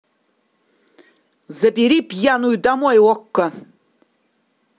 забери пьяную домой okko